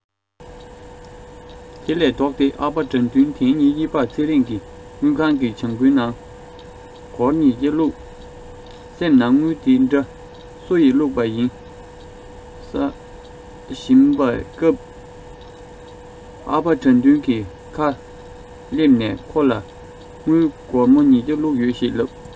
དེ ལས ལྡོག སྟེ ཨ ཕ དགྲ འདུལ དེའི ཉིན གཉིས པར ཚེ རིང གི དངུལ ཁང གི བྱང བུའི ནང སྒོར ཉི བརྒྱ བླུག སེམས ནང དངུལ འདི འདྲ སུ ཡི བླུག པ ཡིན ས བཞིན པའི སྐབས ཨ ཕ དགྲ འདུལ གྱི ཁ སླེབས ནས ཁོ ལ དངུལ སྒོར མོ ཉི བརྒྱ བླུག ཡོད ཞེས ལབ